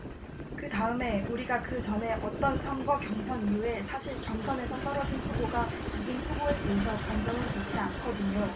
그다음에 우리가 그 전에 어떤 선거 경선 이후에 사실 경선에서 떨어진 후보가 이긴 후보에 대해서 감정은 좋지 않거든요